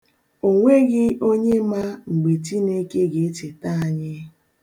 O nweghị onye ma mgbe Chineke ga-echeta anyị.